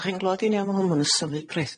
'Dach chi'n nghlwad i'n iawn ma' hwn'n symud braidd.